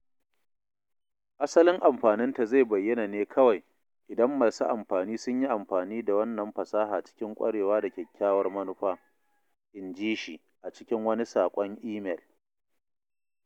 “Asalin amfaninta zai bayyana ne kawai idan masu amfani sun yi amfani da wannan fasaha cikin ƙwarewa da kyakkyawar manufa,” in ji shi a cikin wani saƙon imel.